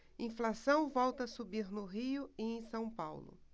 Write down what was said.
inflação volta a subir no rio e em são paulo